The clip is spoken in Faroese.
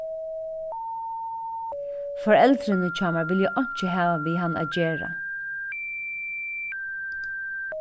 foreldrini hjá mær vilja einki hava við hann at gera